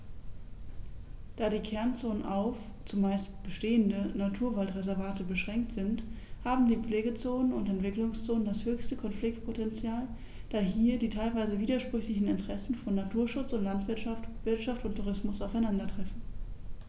Da die Kernzonen auf – zumeist bestehende – Naturwaldreservate beschränkt sind, haben die Pflegezonen und Entwicklungszonen das höchste Konfliktpotential, da hier die teilweise widersprüchlichen Interessen von Naturschutz und Landwirtschaft, Wirtschaft und Tourismus aufeinandertreffen.